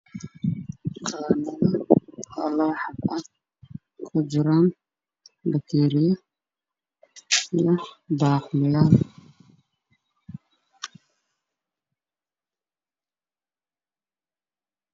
Waa qaanad kujiraan bakeeriyo iyo baaquliyaal